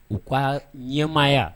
U ka ɲɛmaaya